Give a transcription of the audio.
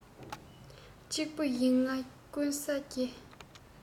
གཅིག པུ ཡིན ང ཀུན ས རྒྱལ